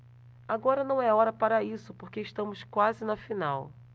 agora não é hora para isso porque estamos quase na final